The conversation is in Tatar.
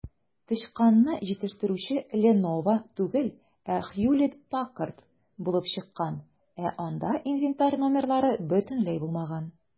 Тычканны җитештерүче "Леново" түгел, ә "Хьюлетт-Паккард" булып чыккан, ә анда инвентарь номерлары бөтенләй булмаган.